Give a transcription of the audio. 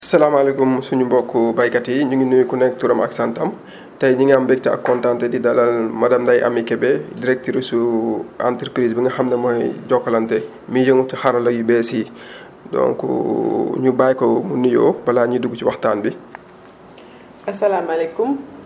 salaamaaleykum suñu mbokku béykat yi ñu ngi nuyu ku nekk turam ak santam tey ñu ngi am mbégte ak kontaante di dalal madame Ndeye Amy Kébé directrice su entreprise bi nga xam ne mooy Jokalante miy yëngu si xarala yu bees yi donc ñu bàyyi ko mu nuyoo balaa ñuy dugg ci waxtaan bi